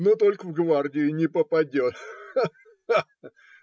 - Но только в гвардию не попадет. Ха-ха-ха!